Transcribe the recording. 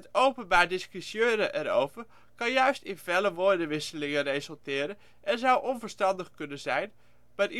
openbaar discussiëren erover kan juist in felle woordenwisselingen resulteren, en zou onverstandig kunnen zijn, maar